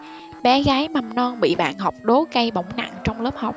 bé gái mầm non bị bạn học đốt gây bỏng nặng trong lớp học